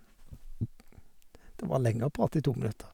Det var lenge å prate i to minutter.